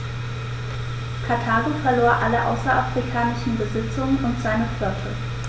Karthago verlor alle außerafrikanischen Besitzungen und seine Flotte.